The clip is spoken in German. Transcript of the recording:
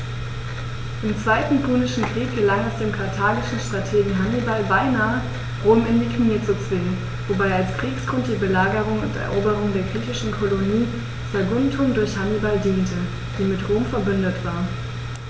Im Zweiten Punischen Krieg gelang es dem karthagischen Strategen Hannibal beinahe, Rom in die Knie zu zwingen, wobei als Kriegsgrund die Belagerung und Eroberung der griechischen Kolonie Saguntum durch Hannibal diente, die mit Rom „verbündet“ war.